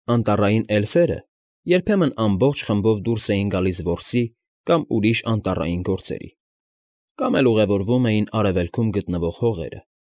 Անտառային էլֆերը երբեմն ամբողջ խմբով դուրս էին գալիս որսի կամ ուրիշ անտառային գործերի, կամ էլ ուղևորվում էին Արևելքում գտնվող հողերը։